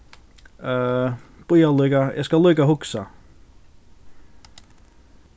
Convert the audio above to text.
øh bíða líka eg skal líka hugsa